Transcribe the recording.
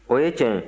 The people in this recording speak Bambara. o ye tiɲɛ ye